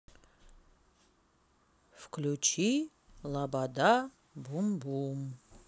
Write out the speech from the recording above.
включи лобода бум бум